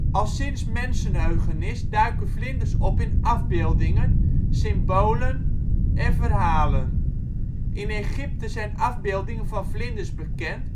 Al sinds mensenheugenis duiken vlinders op in afbeeldingen, symbolen en verhalen. In Egypte zijn afbeeldingen van vlinders bekend van 3500